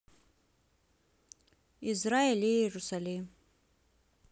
израиль иерусалим